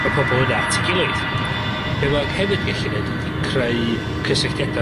y pobol yna at 'i gilydd. Be mae o hefyd gellu neud ydi creu cysylltiada'